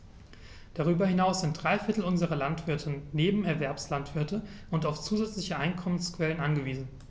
Darüber hinaus sind drei Viertel unserer Landwirte Nebenerwerbslandwirte und auf zusätzliche Einkommensquellen angewiesen.